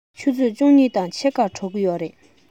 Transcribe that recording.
ཆུ ཚོད བཅུ གཉིས དང ཕྱེད ཀར གྲོལ གྱི རེད